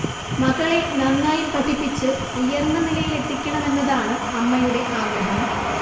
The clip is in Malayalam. മകളെ നന്നായി പഠിപ്പിച്ച് ഉയർന്ന നിലയിലെത്തിക്കണമെന്നതാണ് അമ്മയുടെ ആഗ്രഹം